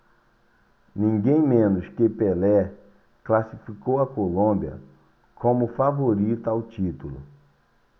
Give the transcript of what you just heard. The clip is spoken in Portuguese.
ninguém menos que pelé classificou a colômbia como favorita ao título